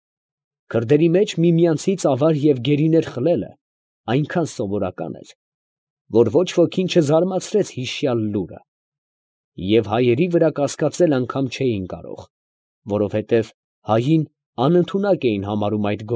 Քրդերի մեջ միմյանցից ավար և գերիներ խլելը այնքան սովորական էր, որ ոչ ոքին չզարմացրեց հիշյալ լուրը, և հայերի վրա կասկածել անգամ չէին կարող, որովհետև հային անընդունակ էին համարում այդ։